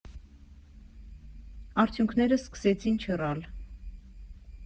Արցունքներս սկսեցին չռալ։